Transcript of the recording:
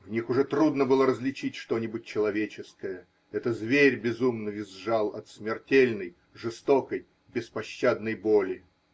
в них уже трудно было различить что-нибудь человеческое -- это зверь безумно визжал от смертельной, жестокой, беспощадной боли.